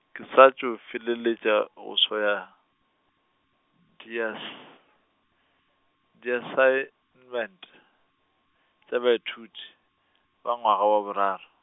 ke sa tšo feleletša go swaya, di as- , di assignment, tša baithuti, ba ngwaga wa boraro.